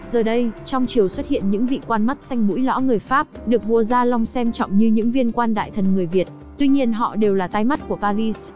giờ đây trong triều xuất hiện những vị quan mắt xanh mũi lõ người pháp được vua gia long xem trọng như những viên quan đại thần người việt tuy nhiên họ đều là tai mắt của paris